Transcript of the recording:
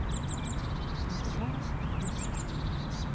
форсаж десять